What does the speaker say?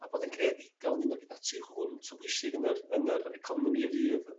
ma' bod yn greadigol yn un o betha' tu hwnt o bwysig yn yr yn yr economi y dydd.